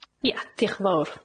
Ia, dioch yn fowr.